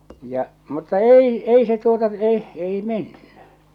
ja mutta ei ei se tuota se ei mennyt